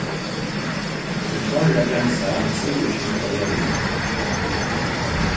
ver klárur at bremsa um seyður kemur út á vegin